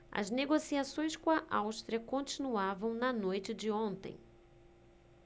as negociações com a áustria continuavam na noite de ontem